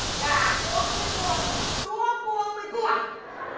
gà có mấy con mà chó có mấy con